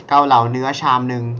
เกาเหลาเนื้อชามนึง